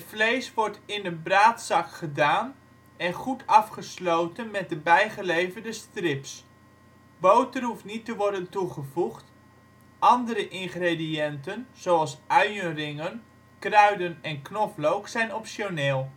vlees wordt in de braadzak gedaan en goed afgesloten met de bijgeleverde strips. Boter hoeft niet te worden toegevoegd, andere ingrediënten zoals uienringen, kruiden en knoflook zijn optioneel